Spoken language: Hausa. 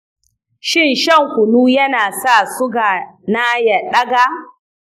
shin shan kunu ya na sa suga na ya ɗaga?